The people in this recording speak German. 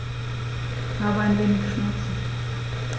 Ich habe ein wenig Schmerzen.